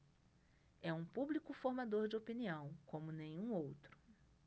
é um público formador de opinião como nenhum outro